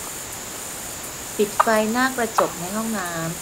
ปิดไฟหน้าจกในห้องน้ำ